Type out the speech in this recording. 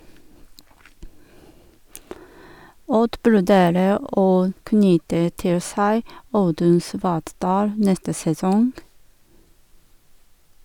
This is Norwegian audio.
Odd vurderer å knytte til seg Audun Svartdal neste sesong.